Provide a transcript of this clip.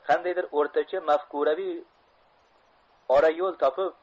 qandaydir o'rtacha mafkuraviy ora yo'l topib